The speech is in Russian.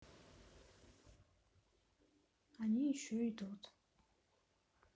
они еще идут